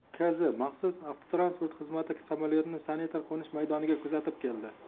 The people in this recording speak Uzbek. kz maxsus avtotransport xizmati samolyotni sanitar qo'nish maydoniga kuzatib keldi